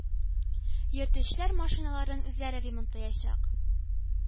Йөртүчеләр машиналарын үзләре ремонтлаячак.